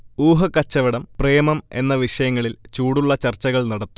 ഊഹക്കച്ചവടം, പ്രേമം എന്ന വിഷയങ്ങളിൽ ചൂടുള്ള ചർച്ചകൾ നടത്തും